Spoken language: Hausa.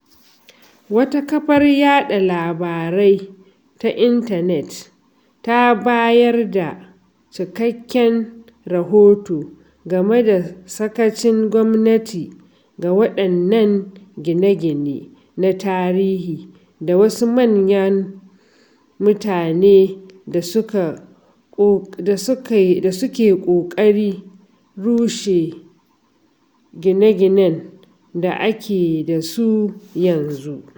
Wata kafar yaɗa labarai ta intanet ta bayar da cikakken rahoto game da sakacin gwamnati ga waɗannan gine-gine na tarihi da wasu manyan mutane da suke ƙoƙari rushe gine-ginen da ake da su yanzu: